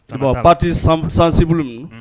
Ba tɛ sansin